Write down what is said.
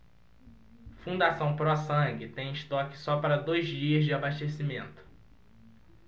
fundação pró sangue tem estoque só para dois dias de abastecimento